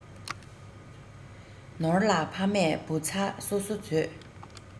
ནོར ལ ཕ མས བུ ཚ གསོ གསོ མཛོད